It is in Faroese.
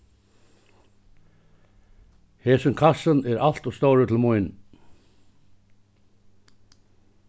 hesin kassin er alt ov stórur til mín